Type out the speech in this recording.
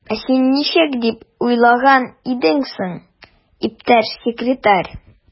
Ә син ничек дип уйлаган идең соң, иптәш секретарь?